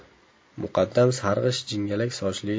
muqaddam sarg'ish jingalak sochli